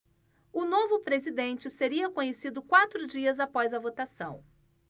o novo presidente seria conhecido quatro dias após a votação